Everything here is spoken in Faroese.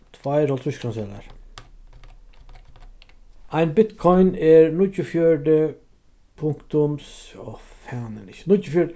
tveir hálvtrýsskrónuseðlar ein bitcoin er níggjuogfjøruti punktum áh fanin ikki níggjuogfjøruti